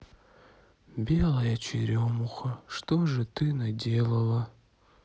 белая черемуха что же ты наделала